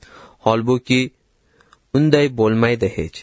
holbuki unday bo'lmaydi hech